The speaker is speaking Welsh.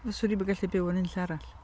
Fyswn i'm yn gallu byw yn nunlle arall.